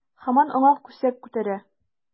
Һаман аңа күсәк күтәрә.